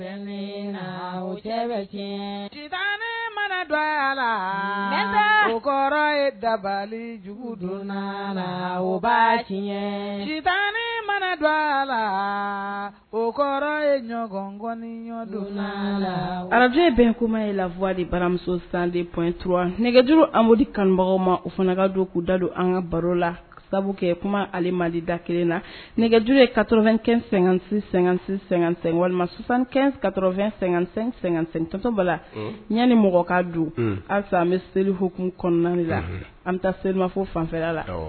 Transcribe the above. Mana don a la o kɔrɔ ye dabalijugu don la bta mana don a la o kɔrɔ ye ɲɔgɔnɔnidon la arabubilenlen bɛ kuma ye lawa baramuso san de pur nɛgɛjuru a amadu kanubagaw ma u fana ka don k'u dadon an ka baro la sabu kɛ kuma ali mali da kelen na nɛgɛjuru ye katofɛnɛn sɛgɛn-sɛ- sɛgɛnsɛ walimakafɛn--sɛsɔba la yanani mɔgɔ ka dun ansa an bɛ selifuk kɔnɔna la an bɛ taa selimafo fanfɛ la